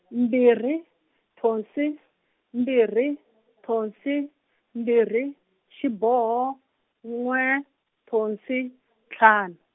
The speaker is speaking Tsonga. mbirhi thonsi mbirhi thonsi mbirhi xiboho n'we thonsi ntlhanu.